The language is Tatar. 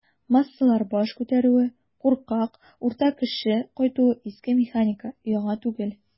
"массалар баш күтәрүе", куркак "урта кеше" кайтуы - иске механика, яңа түгел.